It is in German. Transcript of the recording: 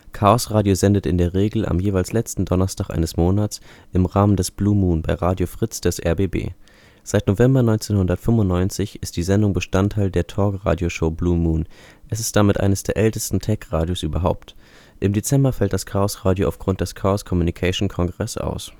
Chaosradio sendet in der Regel am jeweils letzten Donnerstag eines Monats im Rahmen des " Blue Moon " bei Radio Fritz des RBB. Seit November 1995 ist die Sendung Bestandteil der Talkradioshow Blue Moon – es ist damit eines der ältesten Tech-Radios überhaupt. Im Dezember fällt das Chaosradio aufgrund des Chaos Communication Congress aus